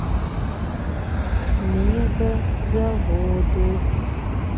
мега заводы